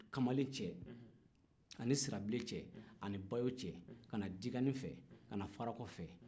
kamalen cɛ ani sirabilen cɛ ani bayo cɛ ka na dikani fɛ ka na farako fɛ